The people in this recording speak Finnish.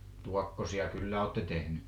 tuokkosia kyllä olette tehnyt